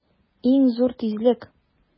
Иң зур тизлек!